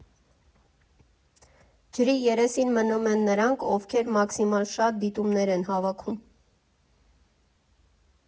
Ջրի երեսին մնում են նրանք, ովքեր մաքսիմալ շատ դիտումներ են հավաքում։